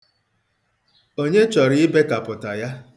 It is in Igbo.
Onye chọrọ ibekapụta ya?